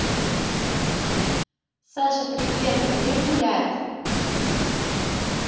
саша привет пойдешь гулять